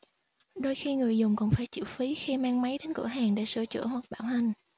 đôi khi người dùng còn phải chịu phí khi mang máy đến cửa hàng để sửa chữa hoặc bảo hành